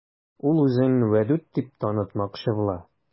Ул үзен Вәдүт дип танытмакчы була.